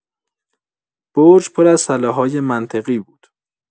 برج پر از تله‌های منطقی بود.